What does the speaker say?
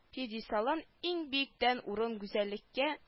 Пьедесталдан иң биектән урын гүзәллеккә